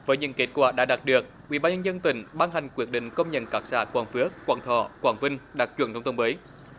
với những kết quả đã đạt được ủy ban nhân dân tỉnh ban hành quyết định công nhận các xã quảng phước quảng thọ quảng vinh đạt chuẩn nông thôn mới